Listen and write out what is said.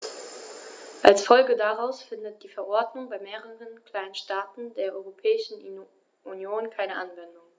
Als Folge daraus findet die Verordnung bei mehreren kleinen Staaten der Europäischen Union keine Anwendung.